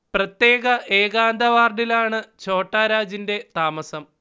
പ്രത്യേക ഏകാന്ത വാർഡിലാണ് ഛോട്ടാ രാജന്റെ താമസം